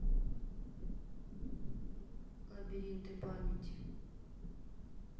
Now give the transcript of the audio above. лабиринты памяти